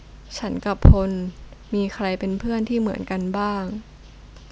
ฉันกับพลมีใครเป็นเพื่อนที่เหมือนกันบ้าง